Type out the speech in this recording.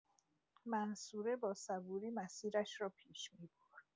منصوره با صبوری مسیرش را پیش می‌برد.